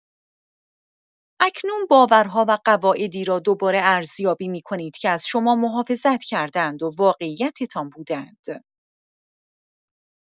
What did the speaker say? اکنون باورها و قواعدی را دوباره ارزیابی می‌کنید که از شما محافظت کرده‌اند و واقعیتتان بوده‌اند.